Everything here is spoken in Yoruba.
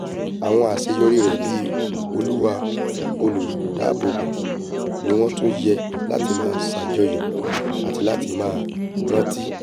Àwọn àṣeyọrí rẹ̀ bí Oluwa Olùdáààbò ni wọ́n tún yẹ láti máa sàjọyọ̀ àti láti maá rántí.''